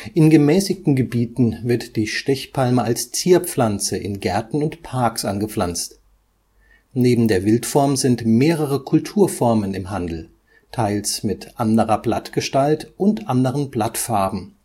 In gemäßigten Gebieten wird die Stechpalme als Zierpflanze in Gärten und Parks angepflanzt. Neben der Wildform sind mehrere Kulturformen im Handel, teils mit anderer Blattgestalt und anderen Blattfarben